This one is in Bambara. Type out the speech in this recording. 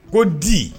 Ko di